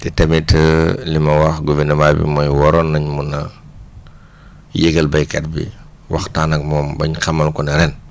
te tamit li ma wax gouvernement bi mooy waroon nañ mun a yëgal béykat bi waxtaan ak moom bañ xamal ko ne ren